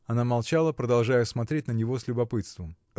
Она молчала, продолжая смотреть на него с любопытством.